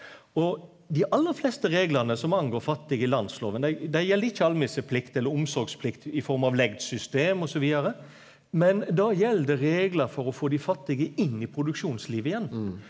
og dei aller fleste reglane som angår fattige i landsloven dei dei gjeld ikkje almisseplikt eller omsorgsplikt i form av legdsystem osv. men det gjeld reglar for å få dei fattige inn i produksjonslivet igjen,